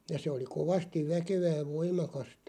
ja se oli kovasti väkevää ja voimakasta